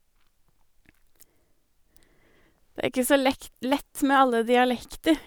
Det er ikke så lekt lett med alle dialekter.